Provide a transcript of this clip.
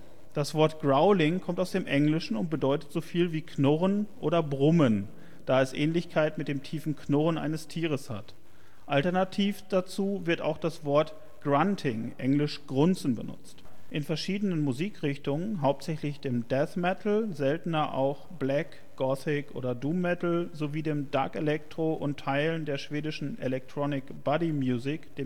Das Wort Growling kommt aus dem Englischen und bedeutet soviel wie „ knurren “oder „ brummen “, da es Ähnlichkeit mit dem tiefen Knurren eines Tieres hat - alternativ dazu wird auch das Wort Grunting (englisch: „ grunzen “) benutzt. In verschiedenen Musikrichtungen (hauptsächlich Death Metal, seltener auch Black -, Gothic -, Doom Metal, sowie Dark Electro und Teilen der schwedischen Electronic Body Music